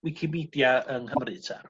wicimedia yng Nghymru 'ta?